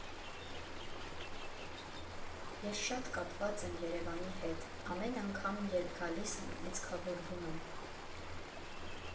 «Ես շատ կապված եմ Երևանի հետ, ամեն անգամ, երբ գալիս եմ, լիցքավորվում եմ։